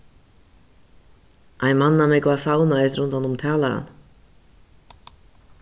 ein mannamúgva savnaðist rundan um talaran